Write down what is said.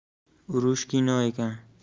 urush kino ekan